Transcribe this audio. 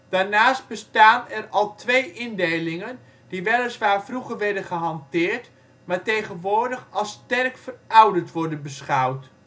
Daarnaast bestaan er al twee indelingen die weliswaar vroeger werden gehanteerd, maar tegenwoordig als sterk verouderd worden beschouwd